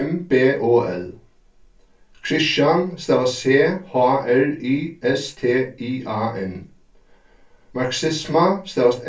m b o l christian stavast c h r i s t i a n marxisma stavast